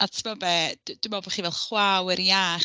A tibod be? D- dwi meddwl bod chi fel chwa o awyr iach.